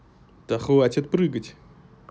да хватит прыгать